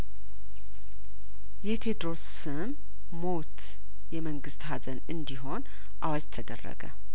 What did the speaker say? የቴድሮስም ሞት የመንግስት ሀዘን እንዲሆን አዋጅ ተደረገ